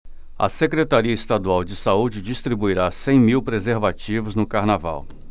a secretaria estadual de saúde distribuirá cem mil preservativos no carnaval